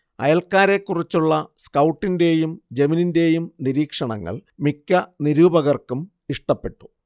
അയൽക്കാരെക്കുറിച്ചുള്ള സ്കൗട്ടിന്റെയും ജെമിനിന്റെയും നിരീക്ഷണങ്ങൾ മിക്ക നിരൂപകർക്കും ഇഷ്ടപ്പെട്ടു